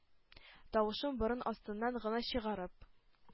Тавышын борын астыннан гына чыгарып: